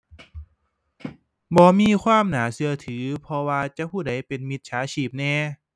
บ่มีความน่าเชื่อถือ เพราะว่าจักผู้ใดเป็นมิจฉาชีพแหน่